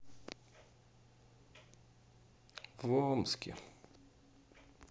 в омске